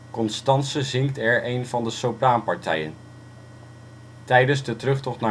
Constanze zingt er een van de sopraanpartijen. Tijdens de terugtocht